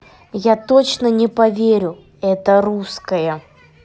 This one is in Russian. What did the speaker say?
я точно не поверить это русская